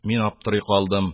Мин аптырый калдым,